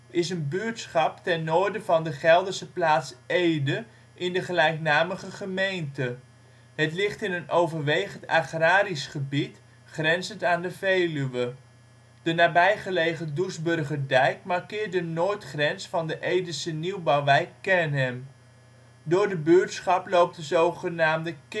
is een buurtschap ten noorden van de Gelderse plaats Ede in de gelijknamige gemeente. Het ligt in een overwegend agrarisch gebied, grenzend aan de Veluwe. De nabijgelegen Doesburgerdijk markeert de noordgrens van de Edese nieuwbouwwijk Kernhem. Door de buurtschap loopt de zogenaamde